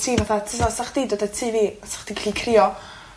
ti fatha ti me'wl 'sach chdi dod i tŷ fi a 'sach di'n gallu crio.